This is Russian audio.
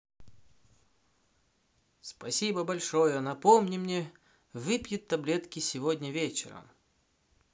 спасибо большое напомни мне выпьет таблетки сегодня вечером